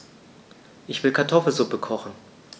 Ich will Kartoffelsuppe kochen.